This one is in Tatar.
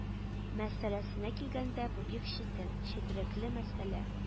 Мәсьәләсенә килгәндә, бу бик читен, четерекле мәсьәлә,